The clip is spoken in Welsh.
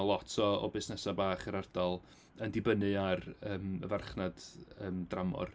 Ma' lot o o busnesau bach yr ardal yn dibynnu ar yym y farchnad yym dramor.